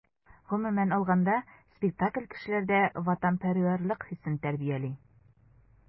Гомумән алганда, спектакль кешеләрдә ватанпәрвәрлек хисен тәрбияли.